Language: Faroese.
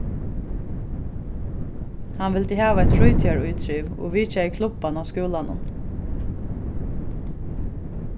hann vildi hava eitt frítíðarítriv og vitjaði klubban á skúlanum